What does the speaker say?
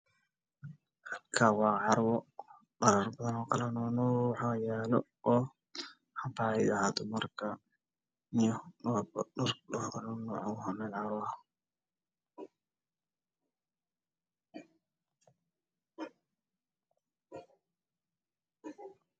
Waa carwo dhar lagu gado waxaa yaalo dhar faro badan